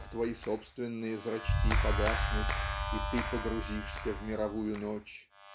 как твои собственные зрачки погаснут и ты погрузишься в мировую ночь.